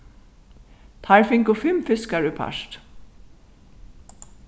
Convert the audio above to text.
teir fingu fimm fiskar í part